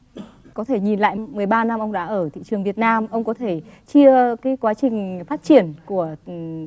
có thể nhìn lại mười ba năm ông đã ở thị trường việt nam ông có thể chia cái quá trình phát triển của